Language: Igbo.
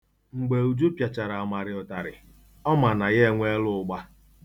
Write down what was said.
Mgbe Uju pịachara Amara ụtarị, ọ ma na ya enweela ụgba.